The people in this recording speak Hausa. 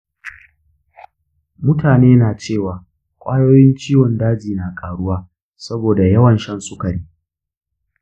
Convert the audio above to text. mutane na cewa ƙwayoyin ciwon daji na ƙaruwa saboda yawan shan sukari.